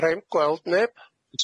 Fedrai'm gweld neb.